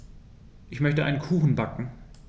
Ich möchte einen Kuchen backen.